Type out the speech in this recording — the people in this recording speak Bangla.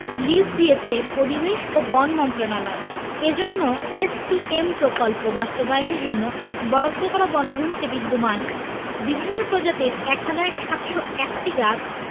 লিজ দিয়েছে পরিবেশ ও বন মন্ত্রণালয় এজন্য এসপিএম প্রকল্প বাস্তবায়নের জন্য বরাদ্দ করা বনভূমিতে বিদ্যমান বিভিন্ন প্রজাতির ১ হাজার ৭০১টি গাছ